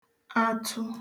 atụ